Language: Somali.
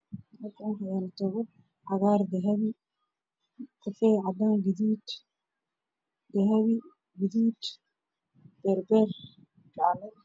Waa waxaa ii muuqda dhar dumar ka saakooyin guduud cagaar ah waana caro